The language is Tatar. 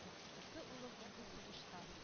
Ике улым үлде сугышта,